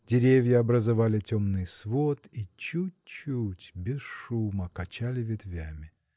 Деревья образовали темный свод и чуть-чуть, без шума, качали ветвями.